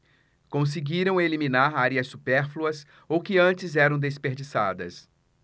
conseguiram eliminar áreas supérfluas ou que antes eram desperdiçadas